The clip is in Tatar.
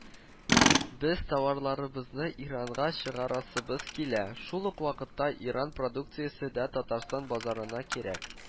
– без товарларыбызны иранга чыгарасыбыз килә, шул ук вакытта иран продукциясе дә татарстан базарына кирәк»